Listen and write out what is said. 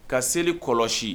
Ka seli kɔlɔsi